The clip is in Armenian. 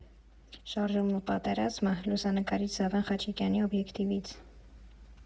Շարժումն ու պատերազմը՝ լուսանկարիչ Զավեն Խաչիկյանի օբյեկտիվից։